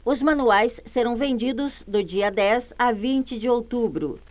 os manuais serão vendidos do dia dez a vinte de outubro